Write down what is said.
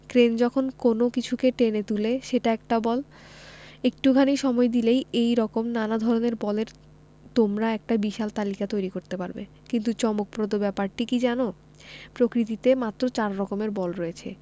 crane যখন কোনো কিছুকে টেনে তুলে সেটা একটা বল একটুখানি সময় দিলেই এ রকম নানা ধরনের বলের তোমরা একটা বিশাল তালিকা তৈরি করতে পারবে কিন্তু চমকপ্রদ ব্যাপারটি কী জানো প্রকৃতিতে মাত্র চার রকমের বল রয়েছে